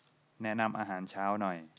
แนะนำอาหารเช้าหน่อย